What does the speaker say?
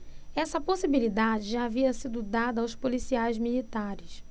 essa possibilidade já havia sido dada aos policiais militares